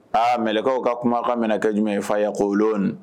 Aa mkaw ka kuma ka minɛ kɛ ɲuman yefaya ko